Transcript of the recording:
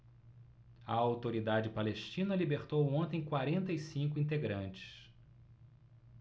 a autoridade palestina libertou ontem quarenta e cinco integrantes